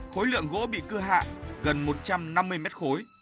khối lượng gỗ bị cưa hạ gần một trăm năm mươi mét khối